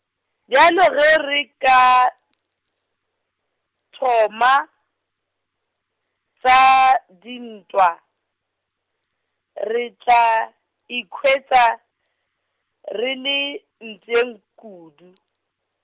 bjalo ge re ka, thoma, tša dintwa, re tla ikhwetša, re le, mpšeng kudu.